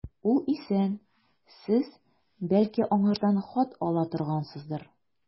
Ул исән, сез, бәлки, аңардан хат ала торгансыздыр.